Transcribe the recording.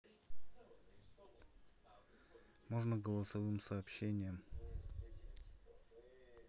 можно голосовым сообщением